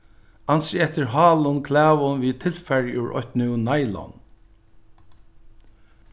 ansið eftir hálum klæðum við tilfari úr eitt nú nylon